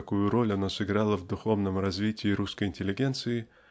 какую роль оно сыграло в духовном развитии русской интеллигенции